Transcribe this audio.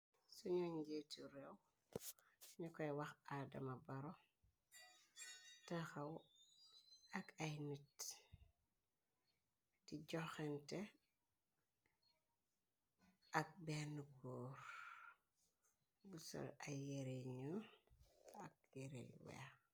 Suñu njeetu réew ni koy wax adama baro taxaw ak ay nit di joxente ak benn kóor bu sal ay yere yñul ak yere you weeck.